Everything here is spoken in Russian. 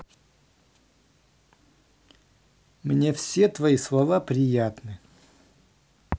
мне все твои слова приятны